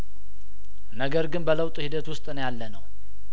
ነገር ግን በለውጥ ሂደት ውስጥ ነው ያለነው